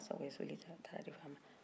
sabula soli tɛ ye a taa'a jɔ fa ma